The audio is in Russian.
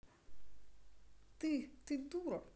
ты ты дура